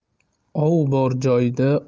ov bor joyda